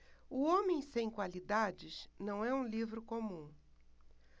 o homem sem qualidades não é um livro comum